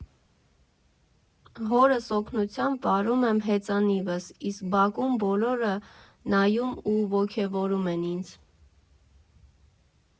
Հորս օգնությամբ վարում եմ հեծանիվս, իսկ բակում բոլորը նայում ու ոգևորում են ինձ։